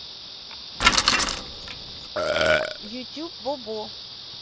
ютуб бобо